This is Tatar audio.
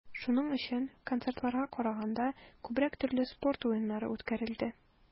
Шуның өчен, концертларга караганда, күбрәк төрле спорт уеннары үткәрелде.